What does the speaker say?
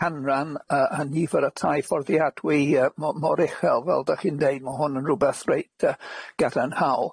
canran yy yn nifer y tai fforddiadwy yy mo- mor uchel fel dach chi'n deud ma' hwn yn rwbeth reit yy gadarnhaol.